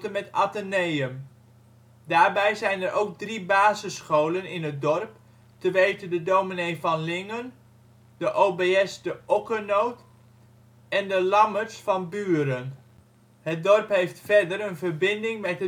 met Atheneum. Daarbij zijn er ook drie basisscholen in het dorp, te weten de Ds. Van Lingen, de OBS de Okkernoot en de Lammerts van Bueren. Het dorp heeft verder een verbinding met